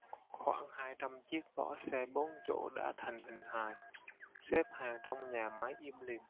khoảng hai trăm chiếc vỏ xe bốn chỗ đã thành hình hài xếp hàng trong nhà máy im lìm